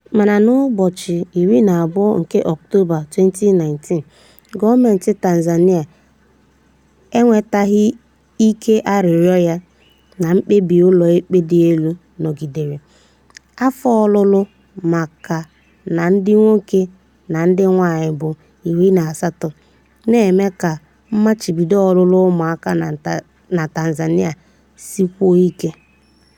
Mana n'ụbọchị 23 nke Ọktoba, 2019, gọọmentị Tanzania enwetaghị ikpe arịrịọ ya ma mkpebi ụlọ ikpe dị elu nọgidere: Afọ ọlụlụ maka ma ndị nwoke ma ndị nwaanyị bụ 18, na-eme ka mmachibido ọlụlụ ụmụaka na Tanzania sikwuo ike.